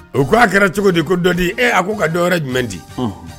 U ko a kɛra cogo di , ko dɔ di.E ko ka dɔ jumɛn di